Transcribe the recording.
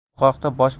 bu haqda bosh